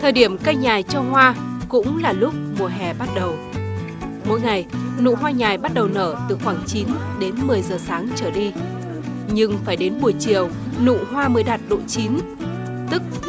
thời điểm cây nhài cho hoa cũng là lúc mùa hè bắt đầu mỗi ngày nụ hoa nhài bắt đầu nở từ khoảng chín đến mười giờ sáng trở đi nhưng phải đến buổi chiều nụ hoa mới đạt độ chín tức